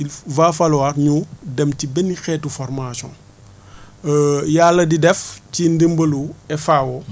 il va falloir ñu dem ci benn xeetu formation yàlla di def ci ndimbalu FAO